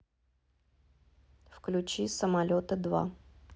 включи самолеты два